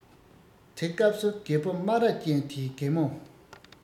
དེ སྐབས སུ རྒད པོ རྨ ར ཅན དེས རྒད མོ